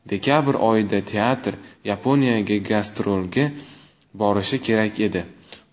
dekabr oyida teatr yaponiyaga gastrolga borishi kerak edi